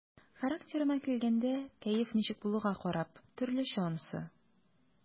Характерыма килгәндә, кәеф ничек булуга карап, төрлечә анысы.